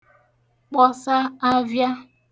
kpọsa avịa